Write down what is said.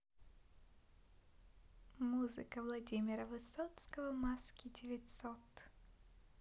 музыка владимира высоцкого маски девятьсот